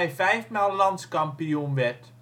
vijfmaal landskampioen werd